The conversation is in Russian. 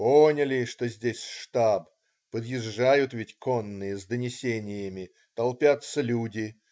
поняли, что здесь штаб, подъезжают ведь конные, с донесениями, толпятся люди.